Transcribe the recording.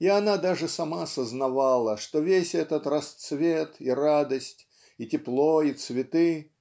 и она даже сама сознавала что весь этот расцвет и радость и тепло и цветы